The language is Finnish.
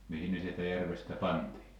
mihin ne sieltä järvestä pantiin